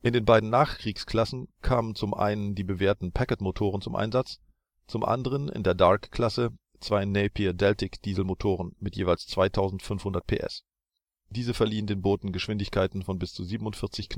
den beiden Nachkriegsklassen kamen zum einen die bewährten Packardmotoren zum Einsatz, zum anderen, in der Dark Klasse, zwei Napier-Deltic Dieselmotoren mit jeweils 2500 PS. Diese verliehen den Booten Geschwindigkeiten von bis zu 47